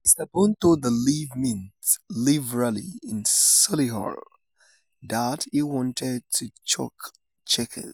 Mr Bone told the Leave Means Leave rally in Solihull that he wanted to 'chuck Chequers'.